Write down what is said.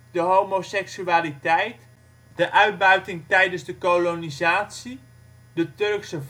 de homoseksualiteit, de uitbuiting tijdens de kolonisatie, de Turkse vastgoedzwendel